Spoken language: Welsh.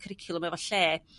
cwricwlwm efo lle